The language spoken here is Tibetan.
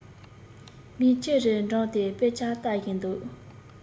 མིག ཆེ རུ བགྲད དེ དཔེ ཆར ལྟ བཞིན འདུག